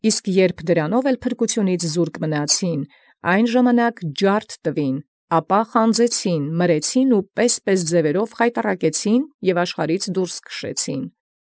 Իսկ յորժամ այնու ևս պակասեալք ի փրկութենէն գտանէին, խորտակեալս, ապա խանձեալս, մրեալս և գունակ գունակ խայտառակեալս, և յաշխարհէն կորզէին։